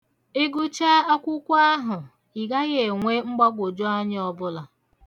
Ị gụcha akwụkwọ ahụ, ị gaghi enwe mgbagwoju anya ọbụla.